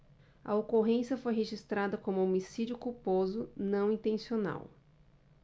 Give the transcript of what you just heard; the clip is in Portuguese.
a ocorrência foi registrada como homicídio culposo não intencional